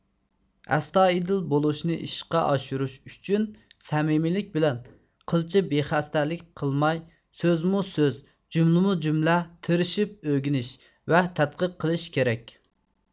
ئەستايىدىل بولۇشنى ئىشقا ئاشۇرۇش ئۈچۈن سەمىيمىلىك بىلەن قىلچە بىخەستەلىك قىلماي سۆزمۇسۆز جۈملىمۇجۈملە تىرىشىپ ئۆگىنىش ۋە تەتقىق قىلىش كېرەك